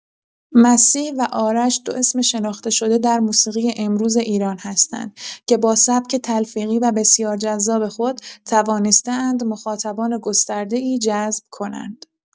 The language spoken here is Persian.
مسیح و آرش دو اسم شناخته‌شده در موسیقی امروز ایران هستند که با سبک تلفیقی و بسیار جذاب خود توانسته‌اند مخاطبان گسترده‌ای جذب کنند.